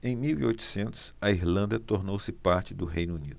em mil e oitocentos a irlanda tornou-se parte do reino unido